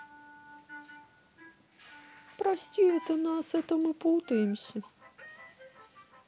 прости это нас это мы путаемся